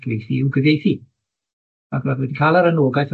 cyfieithu i'w cyfieithu, ac o'dd wedi ca'l yr anogaeth